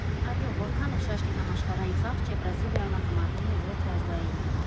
Այո, որքան էլ շաշկին համաշխարհային խաղ չէ, Բրազիլիայում այն համարվում է գրեթե ազգային։